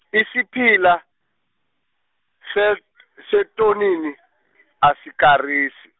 Isipila, se- setonini asikarisi.